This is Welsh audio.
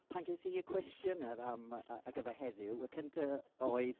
Pan ges i y cwestiynau yym ar gyfer heddiw, y cyntaf oedd